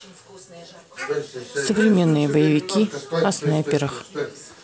современные боевики о снайперах